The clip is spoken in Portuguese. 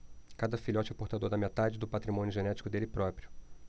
cada filhote é portador da metade do patrimônio genético dele próprio